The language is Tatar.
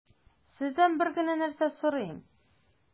Сездән бер генә нәрсә сорыйм: